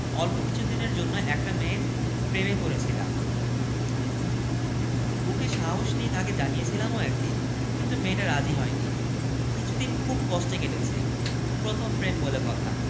অল্প কিছুদিনের জন্য একটা মেয়ের প্রেমে পড়েছিলাম বুকে সাহস নিয়ে তাকে জানিয়েছিলামও একদিন কিন্তু মেয়েটা রাজি হয়নি কিছুদিন খুব কষ্টে কেটেছে প্রথম প্রেম বলে কথা